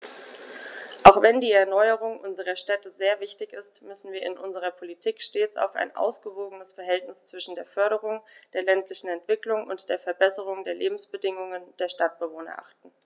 Auch wenn die Erneuerung unserer Städte sehr wichtig ist, müssen wir in unserer Politik stets auf ein ausgewogenes Verhältnis zwischen der Förderung der ländlichen Entwicklung und der Verbesserung der Lebensbedingungen der Stadtbewohner achten.